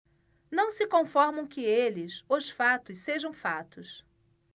não se conformam que eles os fatos sejam fatos